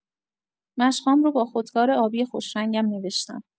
مشق‌هام رو با خودکار آبی خوشرنگم نوشتم.